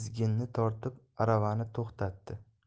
tizginni tortib aravani to'xtatdi